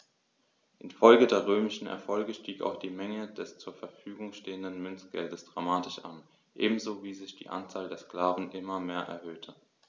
Infolge der römischen Erfolge stieg auch die Menge des zur Verfügung stehenden Münzgeldes dramatisch an, ebenso wie sich die Anzahl der Sklaven immer mehr erhöhte.